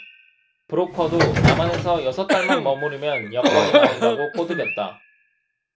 브로커도 남한에서 여섯달만 머무르면 여권이 나온다고 꼬드겼다